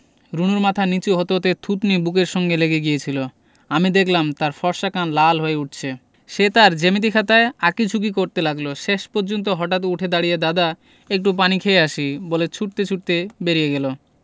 রুনুর মাথা নীচু হতে হতে থুতনি বুকের সঙ্গে লেগে গিয়েছিলো আমি দেখলাম তার ফর্সা কান লাল হয়ে উঠছে সে তার জ্যামিতি খাতায় আঁকি ঝুকি করতে লাগলো শেষ পর্যন্ত হঠাৎ উঠে দাড়িয়ে দাদা একটু পানি খেয়ে আসি বলে ছুটতে ছুটতে বেরিয়ে গেল